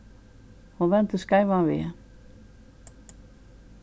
hon vendir skeivan veg